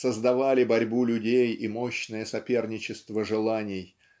создавали борьбу людей и мощное соперничество желаний